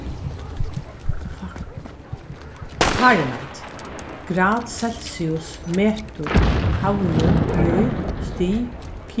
fahrenheit grad celsius metur favnur míl stig